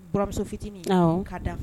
Muso fitinin ka dan